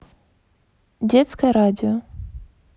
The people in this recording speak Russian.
детское радио